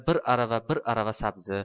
bir arava bir arava sabzi